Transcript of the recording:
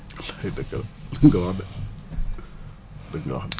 walaay dëgg la dëgg nga wax de dëgg nga wax